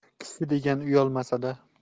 kishi degan uyalmasada